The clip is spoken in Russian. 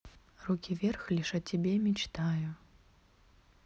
руки вверх лишь о тебе мечтаю